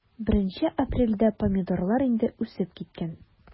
1 апрельдә помидорлар инде үсеп киткән.